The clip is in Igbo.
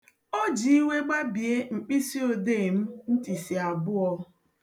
O ji iwe gbabie mkpisiodee m ntisi abụọ.